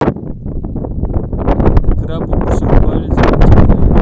краб укусил за палец бинтик навязали